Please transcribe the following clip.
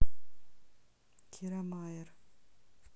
кира майер